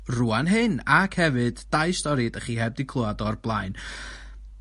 rŵan hyn ac hefyd dau stori 'dach chi heb 'di clŵad o o'r blaen.